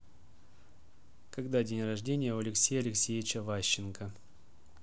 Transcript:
когда день рождения у алексея алексеевича ващенко